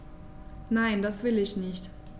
Nein, das will ich nicht.